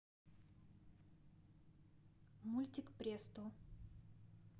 мультик престо